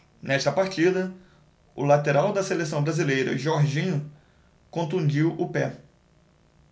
nesta partida o lateral da seleção brasileira jorginho contundiu o pé